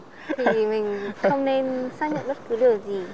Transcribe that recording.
thì mình không nên xác nhận bất cứ điều gì